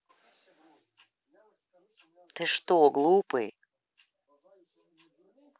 ты что глупый